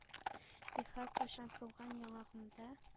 Тик һәркайчан сулган яңагымда